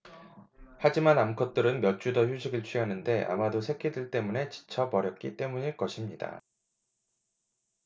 하지만 암컷들은 몇 주 더 휴식을 취하는데 아마도 새끼들 때문에 지쳐 버렸기 때문일 것입니다